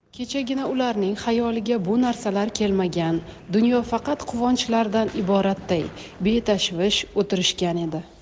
kechagina ularning xayoliga bu narsalar kelmagan dunyo faqat quvonchlardan iboratday betashvish o'tirishgan edi